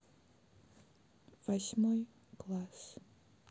восьмой класс